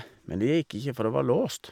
Men det gikk ikke, for det var låst.